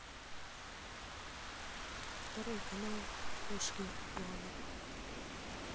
второй канал кошки лана